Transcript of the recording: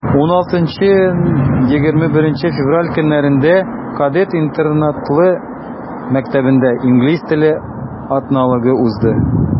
16-21 февраль көннәрендә кадет интернатлы мәктәбендә инглиз теле атналыгы узды.